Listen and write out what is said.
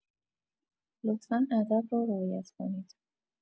لطفا ادب رو رعایت کنید